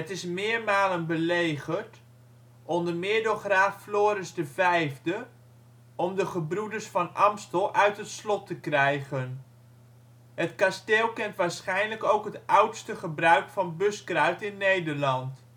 is meermalen belegerd, onder meer door Graaf Floris V, om de gebroeders van Aemstel uit het slot te krijgen. Het kasteel kent waarschijnlijk ook het oudste gebruik van buskruit in Nederland